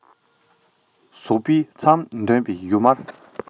ཟོག པོའི མཚམ འདོན པའི བཞུ མར